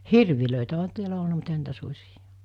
hirviä onhan täällä ollut mutta eihän niitä susia